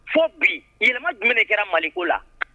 Fo bi yɛlɛma jumɛn kɛra maliko la